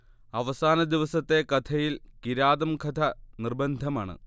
അവസാനദിവസത്തെ കഥയിൽ കിരാതംകഥ നിർബന്ധമാണ്